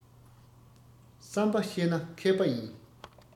བསམ པ ཤེས ན མཁས པ ཡིན